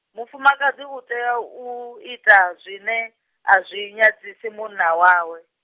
mufumakadzi utea u ita zwine, azwi nyadzisi munna wawe.